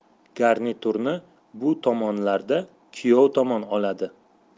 garniturni bu tomonlarda kuyov tomon oladi